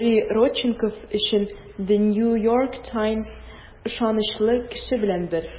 Григорий Родченков өчен The New York Times ышанычлы кеше белән бер.